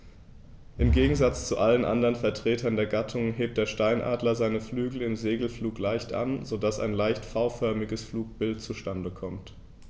Im Gegensatz zu allen anderen Vertretern der Gattung hebt der Steinadler seine Flügel im Segelflug leicht an, so dass ein leicht V-förmiges Flugbild zustande kommt.